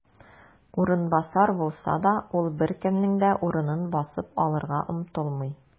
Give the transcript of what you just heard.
"урынбасар" булса да, ул беркемнең дә урынын басып алырга омтылмый.